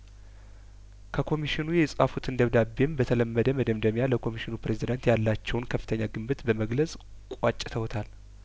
ከኮሚሽኑ የጻፉትን ደብዳቤም በተለመደ መደምደሚያ ለኮሚሽኑ ፕሬዚዳንት ያላቸውን ከፍተኛ ግምት በመግለጽ ቋጭተውታል